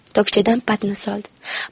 tokchadan patnis oldi